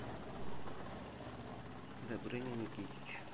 добрыня никитич